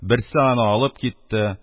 Берсе аны алып китте,